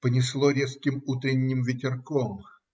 Понесло резким утренним ветерком.